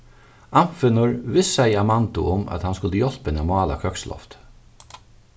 anfinnur vissaði amandu um at hann skuldi hjálpa henni at mála køksloftið